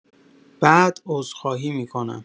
بعد عذرخواهی می‌کنم